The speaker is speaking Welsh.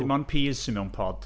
Dim ond peas sy mewn pod.